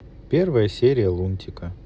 первая серия лунтика